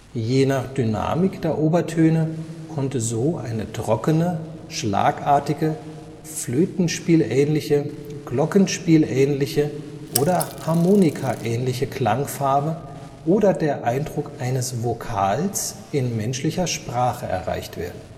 Je nach Dynamik der Obertöne konnte so eine trockene, schlagartige, flötenspielähnliche, glockenspielähnliche oder harmonikaähnliche Klangfarbe oder der Eindruck eines Vokals in menschlicher Sprache erreicht werden